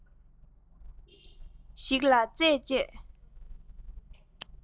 ཞིག ལ རྩད བཅད